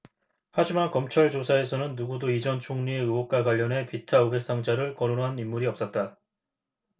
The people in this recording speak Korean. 하지만 검찰 조사에서는 누구도 이 전 총리의 의혹과 관련해 비타 오백 상자를 거론한 인물이 없었다